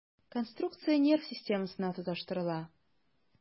Конструкция нерв системасына тоташтырыла.